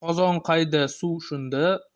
qozon qayda suv shunda